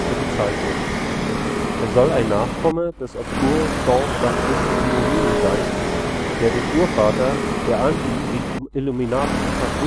bezeichnet. Er soll ein Nachkomme des obskuren Jean-Baptiste Simonini sein, der den Urvater der anti-illuminatischen Verschwörungstheorie